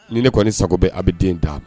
Ni ne kɔni sago bɛ a bɛ den ta